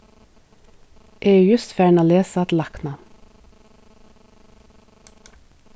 eg eri júst farin at lesa til lækna